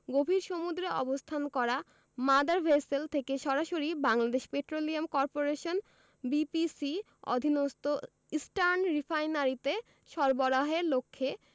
গভীর সমুদ্রে অবস্থান করা মাদার ভেসেল থেকে সরাসরি বাংলাদেশ পেট্রোলিয়াম করপোরেশনের বিপিসি অধীনস্থ ইস্টার্ন রিফাইনারিতে সরবরাহের লক্ষ্যে